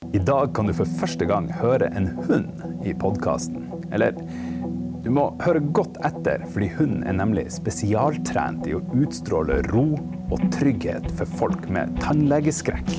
i dag kan du for første gang høre en hund i podkasten, eller du må høre godt etter fordi hunden er nemlig spesialtrent i å utstråle ro og trygghet for folk med tannlegeskrekk.